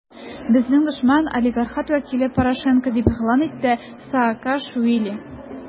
Безнең дошман - олигархат вәкиле Порошенко, - дип игълан итте Саакашвили.